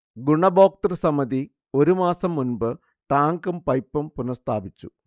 ഗുണഭോക്തൃസമിതി ഒരുമാസം മുൻപ് ടാങ്കും പൈപ്പും പുനഃസ്ഥാപിച്ചു